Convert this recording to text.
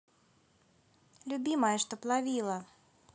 любимая чтоб ловила